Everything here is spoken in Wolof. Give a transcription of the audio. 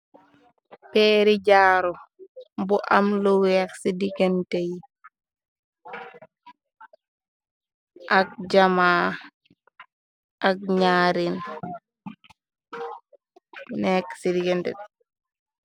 Peeri jaaru bu am lu weex ci digantek yi, ak jama ak nyirri neka ci diggante.